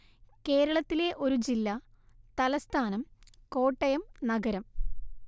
കേരളത്തിലെ ഒരു ജില്ല തലസ്ഥാനം കോട്ടയം നഗരം